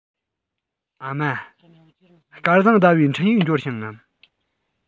ཨ མ སྐལ བཟང ཟླ བའི འཕྲིན ཡིག འབྱོར བྱུང ངམ